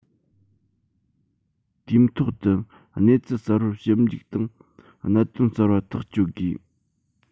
དུས ཐོག ཏུ གནས ཚུལ གསར པར ཞིབ འཇུག དང གནད དོན གསར པ ཐག གཅོད དགོས